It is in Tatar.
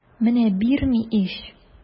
Менә бирми ич!